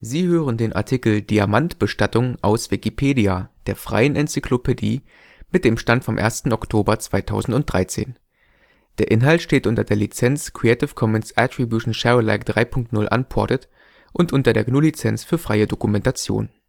Sie hören den Artikel Diamantbestattung, aus Wikipedia, der freien Enzyklopädie. Mit dem Stand vom Der Inhalt steht unter der Lizenz Creative Commons Attribution Share Alike 3 Punkt 0 Unported und unter der GNU Lizenz für freie Dokumentation